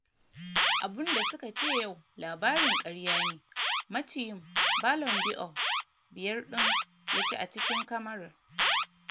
Hakan daidai ne.